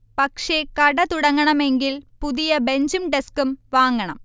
പക്ഷെ കട തുടങ്ങണമെങ്കിൽ പുതിയ ബഞ്ചും ഡസ്ക്കും വാങ്ങണം